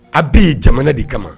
A bɛ yen jamana de kama.